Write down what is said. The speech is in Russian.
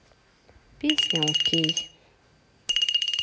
песня окей